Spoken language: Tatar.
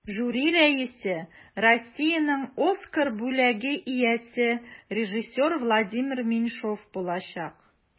Жюри рәисе Россиянең Оскар бүләге иясе режиссер Владимир Меньшов булачак.